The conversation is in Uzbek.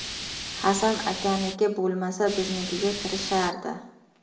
hasan akaniki bo'lmasa biznikiga kirishardi